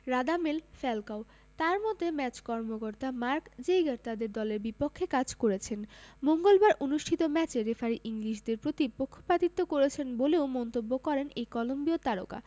Radamel Falcao তার মতে match কর্মকর্তা মার্ক জেইগার তাদের দলের বিপক্ষে কাজ করেছেন মঙ্গলবার অনুষ্ঠিত ম্যাচে রেফারি ইংলিশদের প্রতি পক্ষিপাতিত্ব করেছেন বলেও মন্তব্য করেন এই কলম্বিয় তারকা